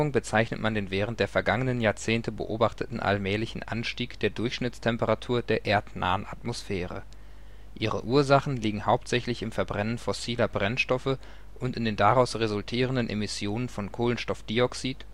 bezeichnet man den während der vergangenen Jahrzehnte beobachteten allmählichen Anstieg der Durchschnittstemperatur der erdnahen Atmosphäre. Ihre Ursachen liegen hauptsächlich im Verbrennen fossiler Brennstoffe und in den daraus resultierenden Emissionen von Kohlenstoffdioxid